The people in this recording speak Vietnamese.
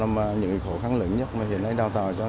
mà hiện nay đào tạo cho